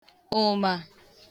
ụmà